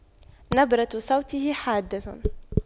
نبرة صوته حادة